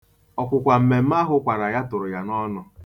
Ọkwụkwa mmemme ahụ kwara ya tụrụ ya n'ọnụ.